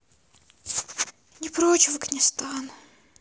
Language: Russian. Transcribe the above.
не прочь афганистан